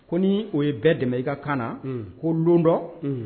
Ko ni o ye bɛɛ dɛmɛ i ka kaana na ko don dɔ